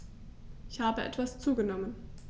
Ich habe etwas zugenommen